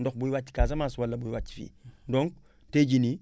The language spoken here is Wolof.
ndox buy wàcc Casamance wala buy wàcc fii donc tey jii nii